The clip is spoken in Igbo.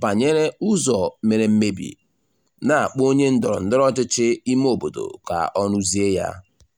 banyere ụzọ mere mmebi, na-akpọ onye ndọrọndọrọ ọchịchị imeobodo ka ọ rụzie ya.